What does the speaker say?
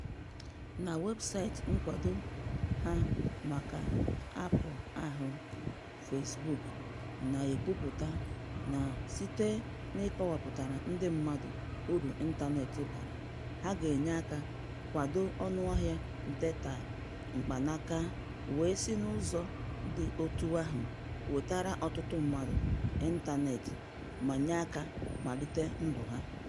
Na webụsaịtị nkwado ha maka aapụ ahụ, Facebook na-ekwupụta na “[site] n'ịkọwapụtara ndị mmadụ uru ịntaneetị bara” ha ga-enye aka kwado ọnụahịa data mkpanaka wee si n'ụzọ dị otú ahụ “wetara ọtụtụ mmadụ ịntaneetị ma nye aka melite ndụ ha.”